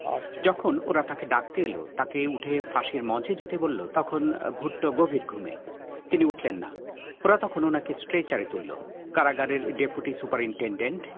ask যখন ওরা তাকে ডাকতে এল তাকে উঠে ফাঁসির মঞ্চে যেতে বলল তখন ভুট্টো গভীর ঘুমে তিনি উঠলেন না ওরা তখন উনাকে স্ট্রেচারে তুলল কারাগারের ডেপুটি সুপারিনটেনডেন্ট